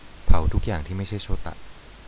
เผาทุกอย่างที่ไม่ใช่โชตะ